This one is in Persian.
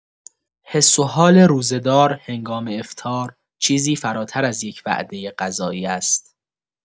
حس و حال روزه‌دار هنگام افطار، چیزی فراتر از یک وعده غذایی است.